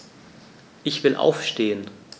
Ich will aufstehen.